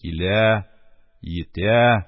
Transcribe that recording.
Килә, йитә.